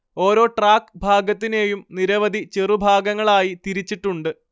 ഓരോ ട്രാക്ക് ഭാഗത്തിനെയും നിരവധി ചെറു ഭാഗങ്ങളായി തിരിച്ചിട്ടുണ്ട്